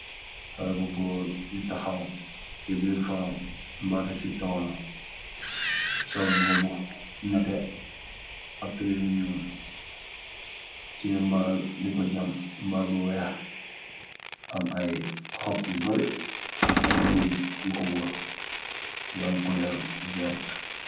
Haleh bu gorre ju takhaw chi birr faroh mba du chi tohll, sol mbuba bu nehteh ak tubeiyy bu njull, tiyeh mbaal dikor jahm, mbaal bu wekh am aiiy hohbb yu bari ak aiiy guiiy yukor worre yu am couleur vert.